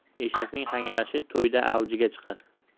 eshakning hangrashi to'yda avjga chiqar